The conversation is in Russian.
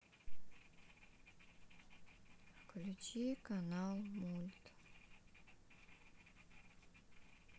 включить канал мульт